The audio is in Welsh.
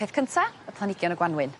Peth cynta y planhigion y Gwanwyn.